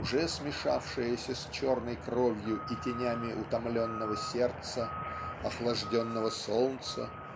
уже смешавшееся с черной кровью и тенями утомленного сердца охлажденного солнца